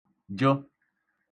jə̣